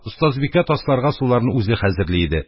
Остазбикә тасларга суларны үзе хәзерли иде.